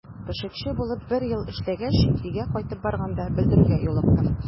Пешекче булып бер ел эшләгәч, өйгә кайтып барганда белдерүгә юлыктым.